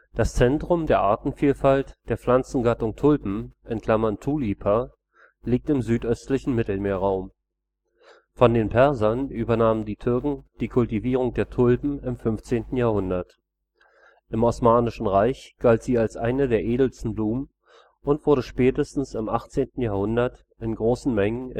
Das Zentrum der Artenvielfalt der Pflanzengattung Tulpen (Tulipa) liegt im südöstlichen Mittelmeerraum. Von den Persern übernahmen die Türken die Kultivierung der Tulpen im 15. Jahrhundert. Im Osmanischen Reich galt sie als eine der edelsten Blumen und wurde spätestens im 18. Jahrhundert in großen Mengen